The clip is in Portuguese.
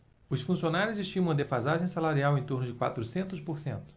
os funcionários estimam uma defasagem salarial em torno de quatrocentos por cento